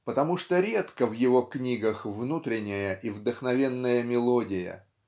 потому что редка в его книгах внутренняя и вдохновенная мелодия.